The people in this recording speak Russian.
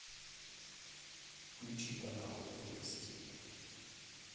включи канал нтв стиль